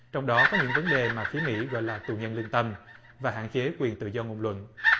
trong đó có những vấn đề mà phía mỹ gọi là tù nhân lương tâm và hạn chế quyền tự do ngôn luận